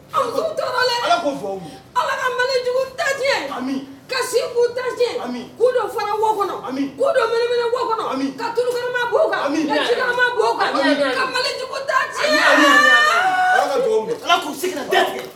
Ala ka malijugu ta ka kun ta fara wo kɔnɔuminɛ wo kɔnɔmama kan malijugu ta ala k'u sigira